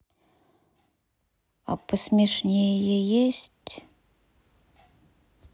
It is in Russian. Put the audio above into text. а посмешнее есть